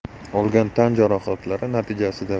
olgan tan jarohatlari natijasida